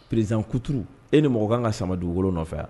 Perezan kutuuru e ni mɔgɔ kan ka samadugu wolo nɔfɛ yan